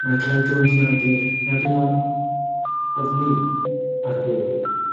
Mae Clive Jones yn awdur nad yw'n o- ofni arbrofi,